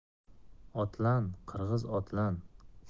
otlan qirg'iz otlan